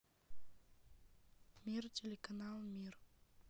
мир телеканал мир